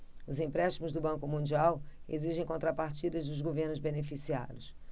os empréstimos do banco mundial exigem contrapartidas dos governos beneficiados